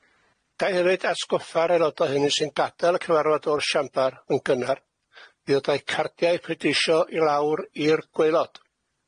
Ga'i hefyd atgoffa'r aelodau hynny sy'n gadel y cyfarfod o'r siambar yn gynnar i ddod â'i cardiau prydleisio i lawr i'r gwaelod.